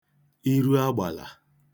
iru agbàlà